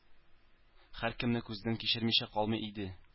Һәркемне күздән кичермичә калмый иде.